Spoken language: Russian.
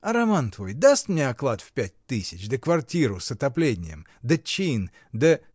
— А роман твой даст мне оклад в пять тысяч, да квартиру с отоплением, да чин, да?.